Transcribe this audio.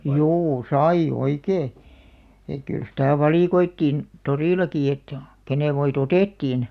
juu sai oikein että kyllä sitä valikoitiin torillakin että kenen voit otettiin